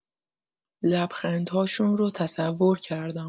لبخندهاشون رو تصور کردم.